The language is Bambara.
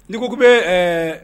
N'i ko k'i bɛ ɛɛ